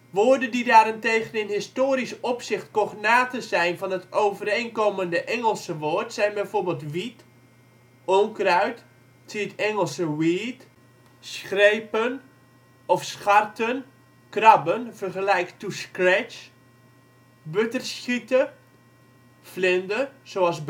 Woorden die daarentegen in historisch opzicht cognaten zijn van het overeenkomende Engelse woord zijn bijvoorbeeld: wied (onkruid, zie Engels weed), sjchreepen of sjcharten (krabben, vergelijk to scratch), buttersjchiete (vlinder, zoals